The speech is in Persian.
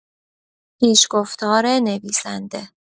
پیش‌گفتار نویسنده